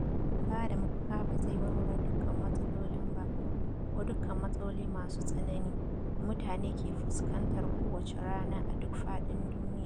Bada mafaka ba zai warware dukkan matsalolin ba - ko dukan matsaloli masu tsanani - da mutane ke fuskantar kowace rana a duk faɗin duniya.